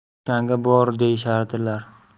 o'shanga bor deyishardilar